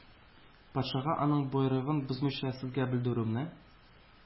Патшага аның боерыгын бозмыйча сезгә белдерүемне